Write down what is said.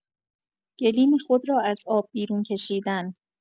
گلیم خود را از آب بیرون کشیدن